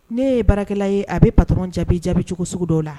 Ne ye baarakɛla ye a bɛ bat jaabi jaabi cogo sugu dɔw la